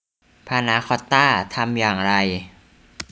พานาคอตต้าทำอย่างไร